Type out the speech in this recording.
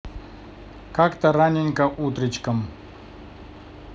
как то раненько утричком